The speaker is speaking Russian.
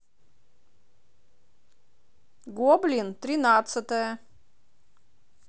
гоблин тринадцатая